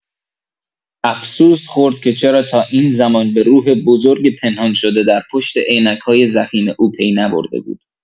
افسوس خورد که چرا تا این زمان به روح بزرگ پنهان‌شده در پشت عینک‌های ضخیم او پی نبرده بود.